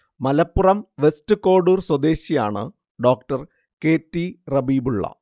Malappuram west Kodur സ്വദേശിയാണ് Dr K T Rabeebulla